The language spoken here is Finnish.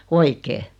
oikein